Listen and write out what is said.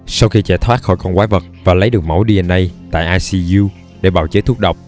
sau khi chạy thoát khỏi con quái vật và lấy được mẫu dna tại icu để bào chế thuốc độc